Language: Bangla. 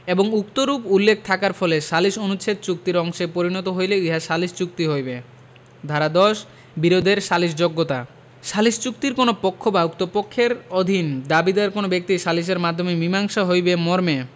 এবং উক্তরূপ উল্লেখ থাকার ফলে সালিস অনুচ্ছেদ চুক্তির অংশে পরিণত হইলে উহা সালিস চুক্তি হইবে ধারা ১০ বিরোধের সালিসযোগ্যতাঃ সালিস চুক্তির কোন পক্ষ বা উক্ত পক্ষের অধীন দাবীদার কোন ব্যক্তি সালিসের মাধ্যমে মীসাংসা হইবে মর্মে